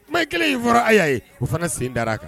Kuma kelen in fɔra Aya ye o fana sen dala a kan.